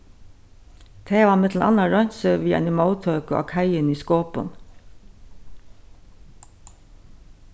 tey hava millum annað roynt seg við eini móttøku á kaiini í skopun